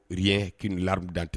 Wyekini lari dantɛ